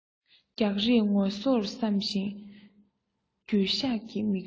རྒྱག རེས ངོ གསོར བསམ ཞིང འགྱོད ཤགས ཀྱི མིག ཆུ